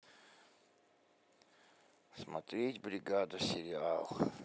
смотреть бригада сериал